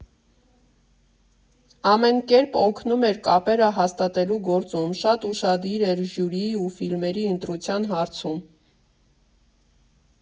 Ամեն կերպ օգնում էր կապերը հաստատելու գործում, շատ ուշադիր էր ժյուրիի ու ֆիլմերի ընտրության հարցում։